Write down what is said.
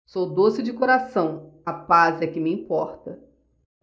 sou doce de coração a paz é que me importa